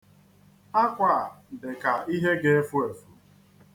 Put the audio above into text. Akwa a dị ka ihe ga-efu efu.